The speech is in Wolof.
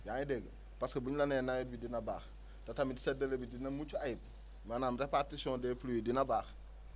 yaa ngi dégg parce que bu ñu la nee nawet bi dina baax te tamit séddale bi dina mucc ayib maanaam répartition des pluies dina baax